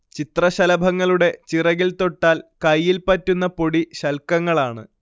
ചിത്രശലഭങ്ങളുടെ ചിറകിൽ തൊട്ടാൽ കൈയിൽ പറ്റുന്ന പൊടി ശൽക്കങ്ങളാണ്